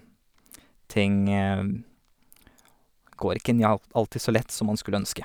Ting går ikke njal alltid så lett som man skulle ønske.